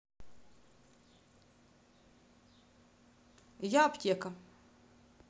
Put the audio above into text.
я аптека